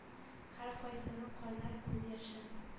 Һәркайсының кайнар күз яшен.